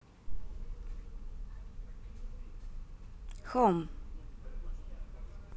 home